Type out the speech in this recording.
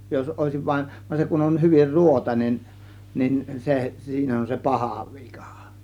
jos olisi vain vaan se kun on hyvin ruotoinen niin se siinä on se paha vika